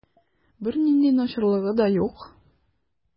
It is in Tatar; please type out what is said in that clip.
Бернинди начарлыгы да юк.